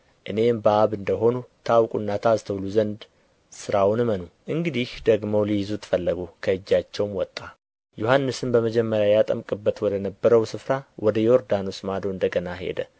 እኔም በአብ እንደ ሆንሁ ታውቁና ታስተውሉ ዘንድ ሥራውን እመኑ እንግዲህ ደግመው ሊይዙት ፈለጉ ከእጃቸውም ወጣ ዮሐንስም በመጀመሪያ ያጠምቅበት ወደ ነበረው ስፍራ ወደ ዮርዳኖስ ማዶ እንደ ገና ሄደ